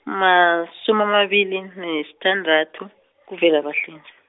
masumi amabili nesithandathu, kuVelabahlinze.